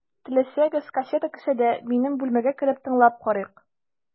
Теләсәгез, кассета кесәдә, минем бүлмәгә кереп, тыңлап карыйк.